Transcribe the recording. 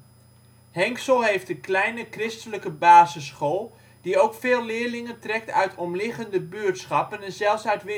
Henxel heeft een kleine christelijke basisschool, die ook veel leerlingen trekt uit omliggende buurtschappen en zelfs uit